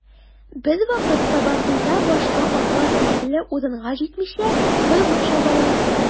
Бервакыт сабантуйда башка атлар билгеле урынга җитмичә, борылып чабалар.